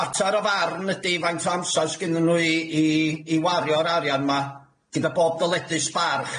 Matar o farn ydi faint o amsar sgynnyn nw i i i wario'r arian 'ma gyda pob dyledus barch.